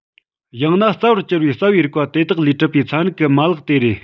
ཡང ན རྩ བར གྱུར པའི རྩ བའི རིགས པ དེ དག ལས གྲུབ པའི ཚན རིག གི མ ལག དེ རེད